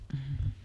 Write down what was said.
mm